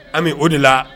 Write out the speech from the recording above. Ami, o de la